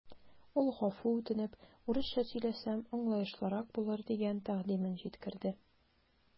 Ул гафу үтенеп, урысча сөйләсәм, аңлаешлырак булыр дигән тәкъдимен җиткерде.